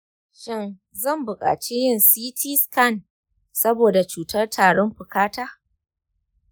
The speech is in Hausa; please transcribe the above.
shin zan buƙaci yin ct scan saboda cutar tarin fuka ta?